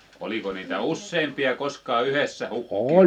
oliko niitä useampia koskaan yhdessä hukkia